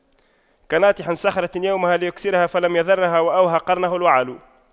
كناطح صخرة يوما ليكسرها فلم يضرها وأوهى قرنه الوعل